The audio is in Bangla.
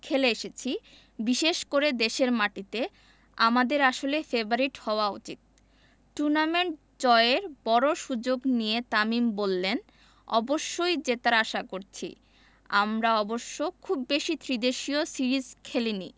খেলে এসেছি বিশেষ করে দেশের মাটিতে আমাদের আসলে ফেবারিট হওয়া উচিত টুর্নামেন্ট জয়ের বড় সুযোগ নিয়ে তামিম বললেন অবশ্যই জেতার আশা করছি আমরা অবশ্য খুব বেশি ত্রিদেশীয় সিরিজ খেলিনি